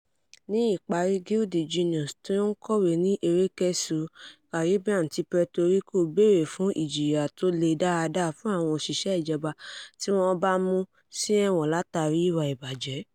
Ní ìparí, "Gill the Jenius", tí ó ń kọ̀wé láti erékùṣù Caribbean ti Puerto Rico bèèrè fún ìjìyà tí ó lè dáadáa fún àwọn òṣìṣẹ́ ìjọba tí wọ́n bá mú sí ẹ̀wọ̀n látààrí ìwà ìbàjẹ́.